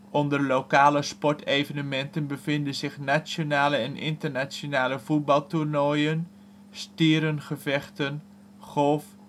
Onder lokale sportevenementen bevinden zich nationale en internationale voetbaltoernooien, stierenvechten, golf